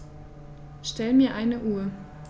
Stell mir eine Uhr.